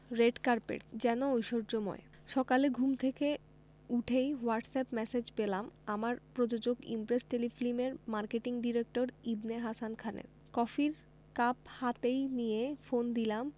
red carpet যেন ঐশ্বর্যময় সকালে ঘুম থেকে উঠেই হোয়াটসঅ্যাপ ম্যাসেজ পেলাম আমার প্রযোজক ইমপ্রেস টেলিফিল্মের মার্কেটিং ডিরেক্টর ইবনে হাসান খানের কফির কাপ হাতেই নিয়ে ফোন দিলাম